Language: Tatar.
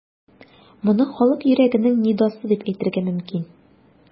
Моны халык йөрәгенең нидасы дип әйтергә мөмкин.